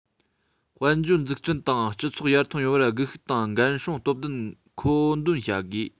དཔལ འབྱོར འཛུགས སྐྲུན དང སྤྱི ཚོགས ཡར ཐོན ཡོང བར སྒུལ ཤུགས དང འགན སྲུང སྟོབས ལྡན མཁོ འདོན བྱ དགོས